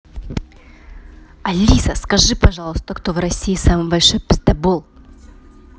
алиса скажи пожалуйста кто в россии самый большой пиздабол